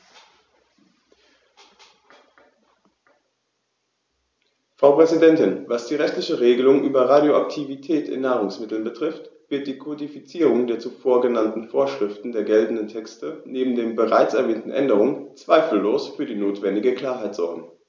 Frau Präsidentin, was die rechtlichen Regelungen über Radioaktivität in Nahrungsmitteln betrifft, wird die Kodifizierung der zuvor genannten Vorschriften der geltenden Texte neben den bereits erwähnten Änderungen zweifellos für die notwendige Klarheit sorgen.